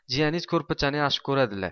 jiyaniz ko'rpachani yaxshi ko'radilar